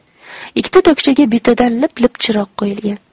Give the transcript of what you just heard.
ikkita tokchaga bittadan lip lip chiroq qo'yilgan